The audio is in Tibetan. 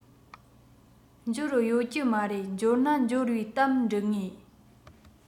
འབྱོར ཡོད ཀྱི མ རེད འབྱོར ན འབྱོར བའི གཏམ འབྲི ངེས